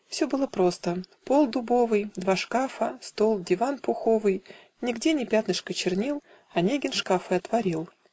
Все было просто: пол дубовый, Два шкафа, стол, диван пуховый, Нигде ни пятнышка чернил. Онегин шкафы отворил